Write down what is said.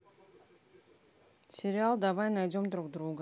сериал давай найдем друг друга